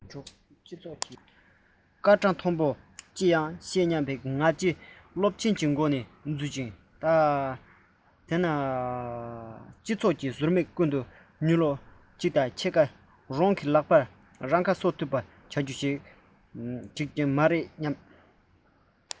སྐར གྲངས མཐོན པོ ཅི ཡང ཤེས སྙམ པའི ང རྒྱལ སློབ ཆེན གྱི སྒོ ནས འཛུལ ཅི དང གང ཡང ཤེས མེད པའི གནས བབ མན ངག བློ ལ འཛིན པ མཐོང དབྱིན ཡིག གི རྒྱུགས སྤྲོད པ སྟ གོན བྱ བ མཐོང འཕྲལ སློབ གྲྭ ཆེན མོ ནས ཐོན ཐམ ག དམར པོ བརྒྱབ པའི དཔང ཡིག དྲུག སྤྱི ཚོགས ཀྱི ཟུར ཀུན ཏུ ཉུལ ལོ གཅིག དང ཕྱེད ཀ རང གི ལག པས རང ཁ གསོ ཐུབ བའི བྱ བ ཞིག ཀྱང མ རྙེད